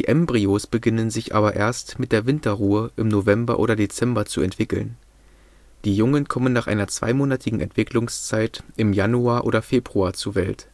Embryos beginnen sich aber erst mit der Winterruhe im November oder Dezember zu entwickeln. Die Jungen kommen nach einer zweimonatigen Entwicklungszeit im Januar oder Februar zur Welt.